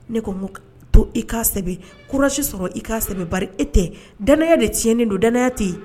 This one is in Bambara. Ne ko to i ka kurasi sɔrɔ i ka sɛbɛn ba e tɛ d de tiɲɛ ni don d tɛ